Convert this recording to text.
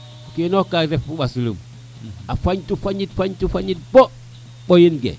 o kino xe ka ref u fo mbas lum a fañ to fañit bo mboyin ke